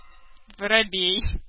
Воробей